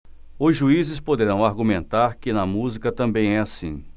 os juízes poderão argumentar que na música também é assim